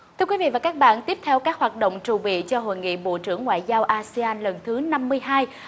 thưa quý vị và các bạn tiếp theo các hoạt động trù bị cho hội nghị bộ trưởng ngoại giao a si an lần thứ năm mươi hai